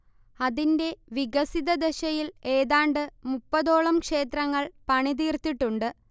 അതിന്റെ വികസിതദശയിൽ ഏതാണ്ട് മുപ്പതോളം ക്ഷേത്രങ്ങൾ പണിതീർത്തിട്ടുണ്ട്